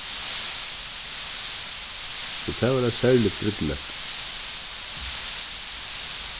so tað var eitt serligt brúdleyp